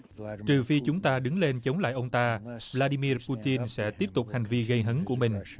trừ phi chúng ta đứng lên chống lại ông ta vờ la đi mia pu tin sẽ tiếp tục hành vi gây hấn của mình